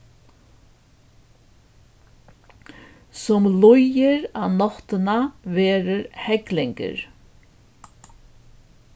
sum líður á náttina verður heglingur